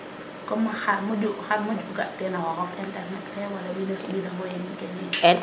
comme xar xar moƴo ga tena xoxof internet fe wala wiin we soɓida ngin kene in